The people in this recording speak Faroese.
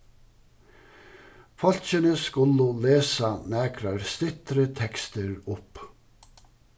fólkini skulu lesa nakrar styttri tekstir upp